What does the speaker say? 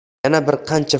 yana bir qancha